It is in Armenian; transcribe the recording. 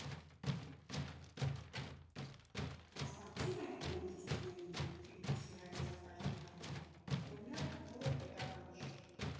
Մասնակցում ե՞ք նոր մրցույթներին՝ Ֆիրդուսի հայեցակարգի համար, օրինակ, որը պետական չի։